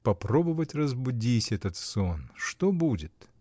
Попробовать разбудить этот сон. что будет?.